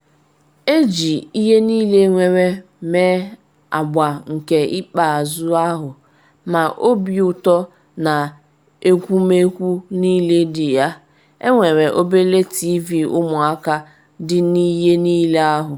Eji ihe niile were mee agba nke ikpeazụ ahụ, ma obi uto na egwumegwu niile dị ya, enwere obere TV ụmụaka dị n’ihe niile ahụ.